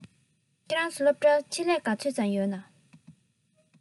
ཁྱོད རང ཚོའི སློབ གྲྭར ཆེད ལས ག ཚོད ཙམ ཡོད ན